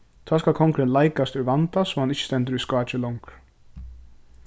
tá skal kongurin leikast úr vanda so hann ikki stendur í skáki longur